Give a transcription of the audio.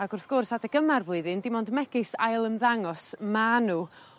Ag wrth gwrs adeg yma'r flwyddyn dim ond megis ailymddangos ma' n'w